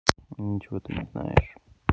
ничего ты не знаешь